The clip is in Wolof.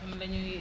kon dañuy